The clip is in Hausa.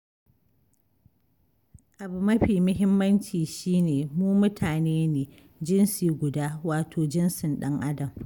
Abu mafi muhimmanci shi ne, mu mutane ne, jinsi guda, wato jinsin ɗan-adam.